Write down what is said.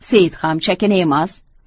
seit ham chakana emas